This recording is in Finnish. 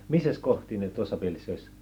missäs kohti ne tuossa Pielisjoessa